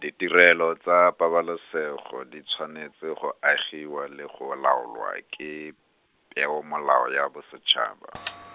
ditirelo tsa pabalesego di tshwanetse go agiwa le go laolwa ke, Peomolao ya bosetšhaba.